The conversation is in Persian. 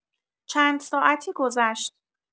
چند ساعتی گذشت.